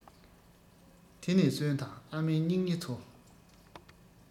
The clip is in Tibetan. དེ ནས གསོན དང ཨ མའི སྙིང ཉེ ཚོ